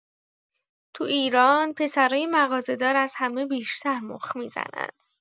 تو ایران پسرای مغازه‌دار از همه بیشتر مخ می‌زنن!